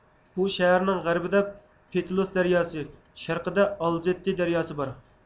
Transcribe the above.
بۇ شەھەرنىڭ غەربىدە پېتېلۈس دەرياسى شەرقىدە ئالزېتتې دەرياسى بار